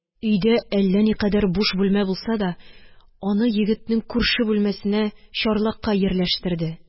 Өйдә әллә никадәр буш бүлмә булса да, аны егетнең күрше бүлмәсенә чарлакка йирләштерде.